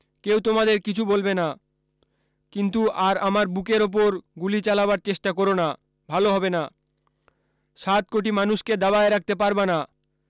কেউ তোমাদের কিছু বলবে না কিন্তু আর আমার বুকের উপর গুলি চালাবার চেষ্টা করো না ভাল হবে না ৭ কোটি মানুষকে দাবাইয়া রাখতে পারবা না